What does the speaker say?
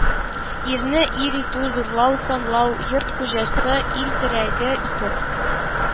Ирне ир итү, зурлау, санлау, йорт хуҗасы, ил терәге итеп